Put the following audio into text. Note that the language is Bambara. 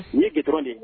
Nin ye kɛ dɔrɔn de